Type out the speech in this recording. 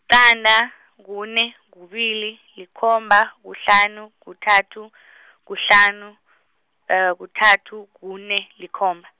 qanda, kune, kubili, likhomba, kuhlanu, kuthathu, kuhlanu, kuthathu, kune, likhomba.